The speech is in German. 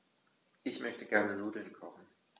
Ich möchte gerne Nudeln kochen.